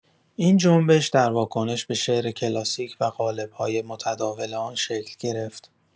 این جنبش در واکنش به شعر کلاسیک و قالب‌های متداول آن شکل گرفت.